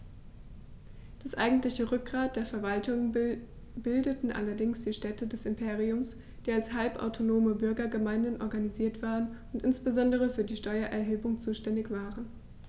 Das eigentliche Rückgrat der Verwaltung bildeten allerdings die Städte des Imperiums, die als halbautonome Bürgergemeinden organisiert waren und insbesondere für die Steuererhebung zuständig waren.